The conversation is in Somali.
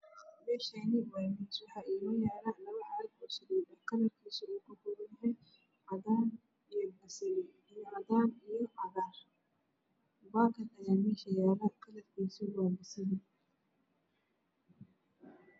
Meshani waa miis waxayalo labo caag oo salid ah kalarkis oow kakobanyahay cadan io baseli io cadna io cagar bakad aya mesh yalo kalarkis waa beseli